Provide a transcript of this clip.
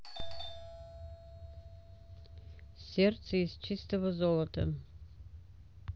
сердце из чистого золота